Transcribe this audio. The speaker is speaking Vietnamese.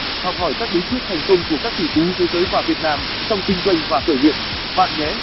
học hỏi các bí quyết thành công của các tỷ phú thế giới và việt nam trong kinh doanh và khởi nghiệp bạn nhé